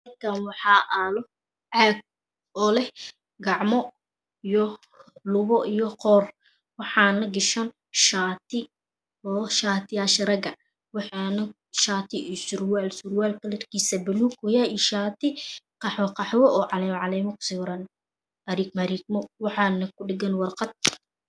Halkan waxa aala caag oo leha gacamo iyo lugo iyo qoor waxaana gashan shaati oo shatiyaasha raga waxaana shaati iyo surwel surwel kalarkisu baluug yahay iyo shaati qaxwo qaxwo oo caleemo caleemo ku sawiran mariig mariigmo waxaana ku dhagan warqad